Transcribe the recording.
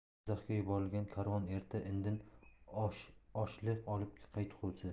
jizzaxga yuborilgan karvon erta indin oshliq olib qaytgusi